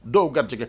Dɔw garijigɛ